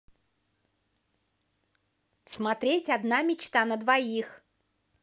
смотреть одна мечта на двоих